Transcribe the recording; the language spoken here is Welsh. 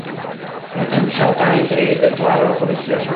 A wedyn o 'sa 'na dau'n dri bedwar o gwerthiwr yna